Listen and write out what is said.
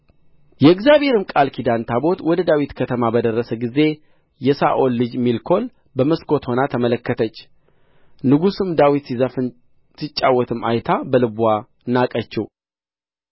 የእግዚአብሔርም ቃል ኪዳን ታቦት ወደ ዳዊት ከተማ በደረሰ ጊዜ የሳኦል ልጅ ሜልኮል በመስኮት ሆና ተመለከተች ንጉሡም ዳዊት ሲዘፍንና ሲጫወት አይታ በልቧ ናቀችው